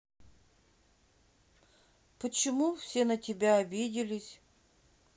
почему все на тебя обиделась